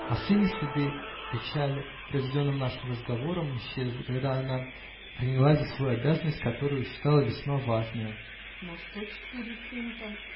Последние следы печали, произведенной нашим разговором, исчезли, когда она принялась за свою обязанность, которую считала весьма важною. -- На что четыре фунта?